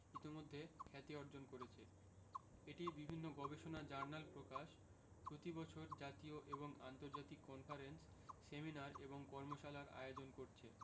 ইতোমধ্যে খ্যাতি অর্জন করেছে এটি বিভিন্ন গবেষণা জার্নাল প্রকাশ প্রতি বছর জাতীয় এবং আন্তর্জাতিক কনফারেন্স সেমিনার এবং কর্মশালার আয়োজন করছে